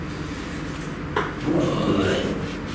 машкины ляшки